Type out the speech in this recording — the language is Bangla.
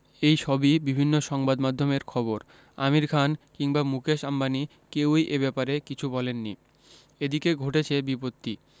এই সবই বিভিন্ন সংবাদমাধ্যমের খবর আমির খান কিংবা মুকেশ আম্বানি কেউই এ ব্যাপারে এখনো কিছু বলেননি এদিকে ঘটেছে বিপত্তি